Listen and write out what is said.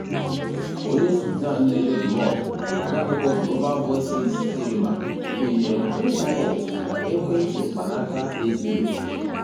Onye Sudan na-ede blọọgụ na odeakwụkwọ Global Voices Derima kwenyere na intaneti na ekwentị mkpanaka ezughị òkè.